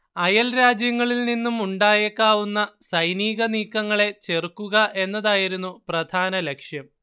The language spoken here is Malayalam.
അയൽരാജ്യങ്ങളിൽ നിന്നുമുണ്ടായേക്കാവുന്ന സൈനികനീക്കങ്ങളെ ചെറുക്കുക എന്നതായിരുന്നു പ്രധാന ലക്ഷ്യം